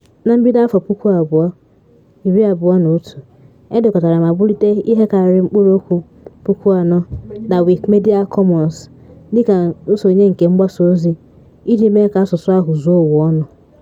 Na mbido 2021, edekọtara ma bulite ihe karịrị mkpụrụokwu 4,000 na Wikimedia Commons dịka nsonye nke mgbasaozi iji mee ka asụsụ ahụ zuo ụwaọnụ.